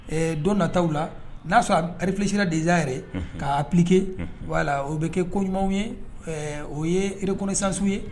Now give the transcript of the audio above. Ɛɛ don nata la n'a sɔrɔ rifisi dezsan yɛrɛ ka'a pke wala o bɛ kɛ ko ɲumanw ye o ye reksansiw ye